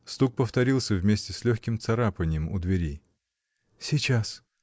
Стук повторился, вместе с легким царапаньем у двери. — Сейчас!